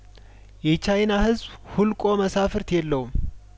የቻይና ህዝብሁ ልቆ መሳፍርት የለውም